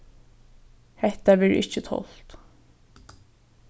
hetta verður ikki tolt